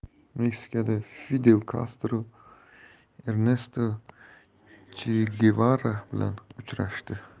meksikada fidel kastro ernesto che gevara bilan uchrashdi